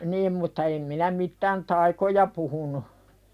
niin mutta en minä mitään taikoja puhunut